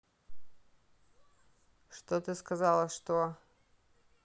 что ты сказала что